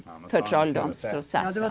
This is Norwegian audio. jeg må ta en tur og se.